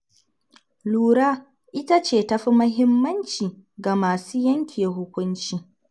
Lura ita ce ta fi muhimmanci ga masu yanke hukunci.